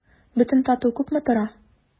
Бөтен тату күпме тора?